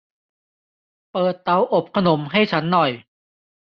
เปิดเตาอบขนมให้ฉันหน่อย